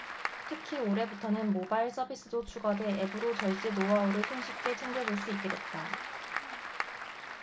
특히 올해부터는 모바일 서비스도 추가돼 앱으로 절세 노하우를 손쉽게 챙겨볼 수 있게 됐다